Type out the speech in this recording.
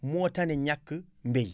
moo tane ñàkk mbay